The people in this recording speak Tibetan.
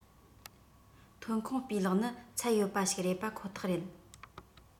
ཐོན ཁུངས སྤུས ལེགས ནི ཚད ཡོད པ ཞིག རེད པ ཁོ ཐག རེད